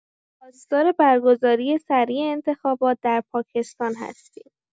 خواستار برگزاری سریع انتخابات در پاکستان هستیم.